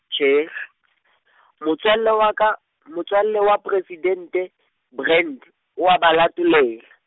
tjhe , motswala wa ka, motswala wa Poresidente, Brand, wa ba latolela.